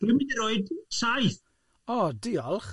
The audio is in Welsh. Dwi'n mynd i roid saith. O, diolch!